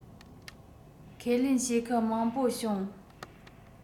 ཁས ལེན བྱེད མཁན མང པོ བྱུང